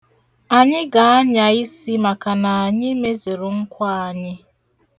Anyị ga-anya isi maka na anyị mezuru nkwa anyị.